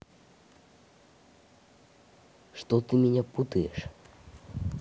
что ты меня путаешь